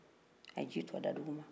a ye ji to da duguma